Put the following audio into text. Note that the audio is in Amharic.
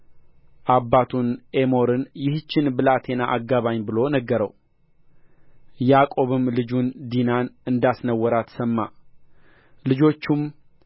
አባቱን ኤሞርን ይህችን ብላቴና አጋባኝ ብሎ ነገረው ያዕቆብም ልጁን ዲናን እንዳስነወራት ሰማ ልጆቹም